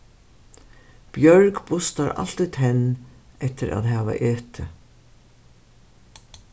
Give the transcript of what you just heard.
bjørg bustar altíð tenn eftir at hava etið